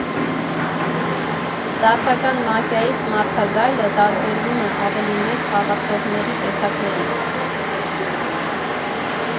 Դասական մաֆիայից «մարդագայլը» տարբերվում է ավելի մեծ խաղացողների տեսակներից։